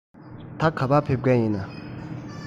ད ག པར ཕེབས མཁན ཡིན ན